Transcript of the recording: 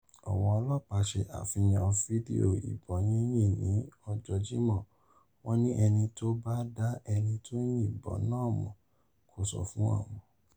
Àwọn ọlọ́pàá ṣe àfihàn fídíò ìbọn yínyìn ní ọjọ́ Jímọ̀. Wọ́n ní ẹni tó bá dá ẹni tó yìnbọn náà mọ̀, kó sọ fún àwọn.